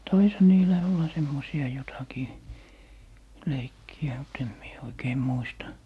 taisihan niillä olla semmoisia jotakin leikkejä mutta en minä oikein muista